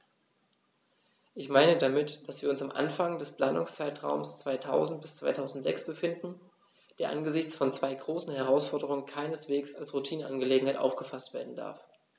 Ich meine damit, dass wir uns am Anfang des Planungszeitraums 2000-2006 befinden, der angesichts von zwei großen Herausforderungen keineswegs als Routineangelegenheit aufgefaßt werden darf.